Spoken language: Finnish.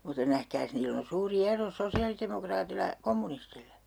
mutta nähkääs niillä on suuri ero sosiaalidemokraatilla ja kommunistilla